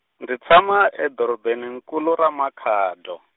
ndzi tshama edorobeni nkulu ra Makhado.